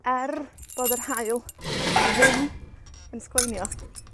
er bod yr haul ddim yn sgleinio,